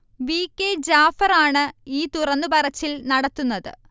V. K Jafar ആണ് ഈ തുറന്നു പറച്ചിൽ നടത്തുന്നത്